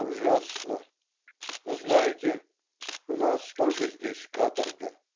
ужасно, но, знаете, у нас тоже здесь каторга.